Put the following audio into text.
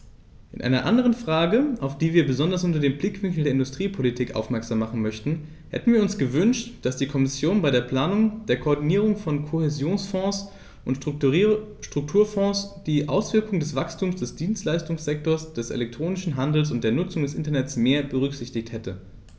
In einer anderen Frage, auf die wir besonders unter dem Blickwinkel der Industriepolitik aufmerksam machen möchten, hätten wir uns gewünscht, dass die Kommission bei der Planung der Koordinierung von Kohäsionsfonds und Strukturfonds die Auswirkungen des Wachstums des Dienstleistungssektors, des elektronischen Handels und der Nutzung des Internets mehr berücksichtigt hätte.